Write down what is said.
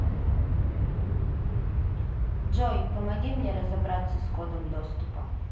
джой помоги мне разобраться с кодом доступа